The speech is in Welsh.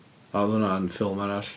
Oedd hwnna yn ffilm arall.